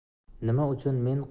nima uchun men